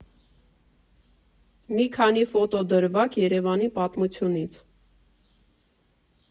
Մի քանի ֆոտո դրվագ Երևանի պատմությունից։